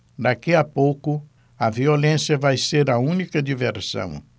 daqui a pouco a violência vai ser a única diversão